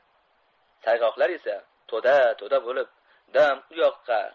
sayg'oqlar esa to'da to'da bo'lib dam u yoqqa